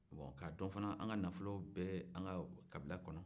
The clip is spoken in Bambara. ka dɔn fana an ka nafolo bɛ an ka kabila kɔnɔ